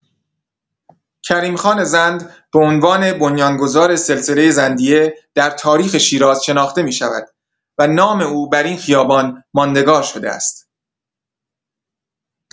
کریم‌خان زند به عنوان بنیان‌گذار سلسله زندیه در تاریخ شیراز شناخته می‌شود و نام او بر این خیابان ماندگار شده است.